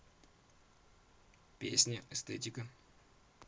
песня эстетика